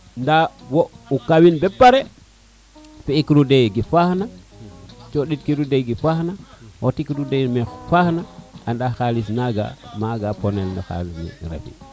nda wo o kawin bo pare fi giro de ke faax na codid kiro de ke faax na xodid kiro de me faax na anda xalis naga maga maga ponel ne xalis